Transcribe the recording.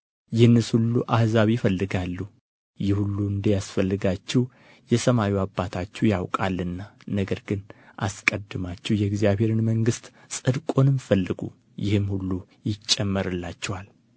ይህንስ ሁሉ አሕዛብ ይፈልጋሉ ይህ ሁሉ እንዲያስፈልጋችሁ የሰማዩ አባታችሁ ያውቃልና ነገር ግን አስቀድማችሁ የእግዚአብሔርን መንግሥት ጽድቁንም ፈልጉ ይህም ሁሉ ይጨመርላችኋል